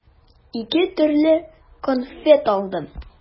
Ике төрле конфет алдым.